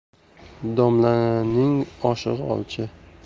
domlaning oshig'i olchi